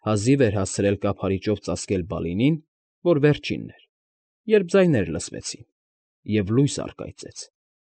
Հազիվ էր հասցրել կափարիչով ծածկել Բալինին (որը վերջինն էր), երբ ձայներ լսվեցին ու լույս առկայծեց։